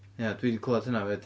Ie dwi 'di clywed hynna 'fyd.